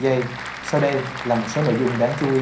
giây sau đây là một số nội dung đáng chú ý